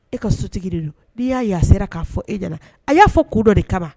E ka sotigi de do n'i y'a yaa sera k'a fɔ e nana a y'a fɔ ko dɔ de kama